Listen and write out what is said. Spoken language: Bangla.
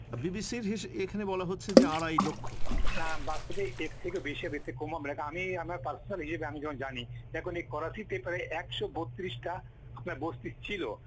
বিবিসির এখানে বলা হচ্ছে যে আড়াই লক্ষ তবে এর থেকেও বেশী হবে এর থেকে কম হবে না আমি আমার পার্সোনালি হিসেবে যখন জানি করাচিতে প্রায় ১৩২ টা আপনার বস্তি ছিল